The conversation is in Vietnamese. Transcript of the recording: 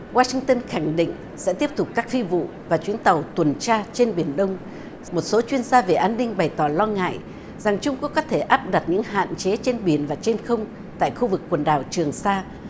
goa sinh tơn khẳng định sẽ tiếp tục các phi vụ và chuyến tàu tuần tra trên biển đông một số chuyên gia về an ninh bày tỏ lo ngại rằng trung quốc có thể áp đặt những hạn chế trên biển và trên không tại khu vực quần đảo trường sa